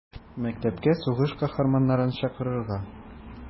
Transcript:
Мәктәпкә сугыш каһарманнарын чакырырга.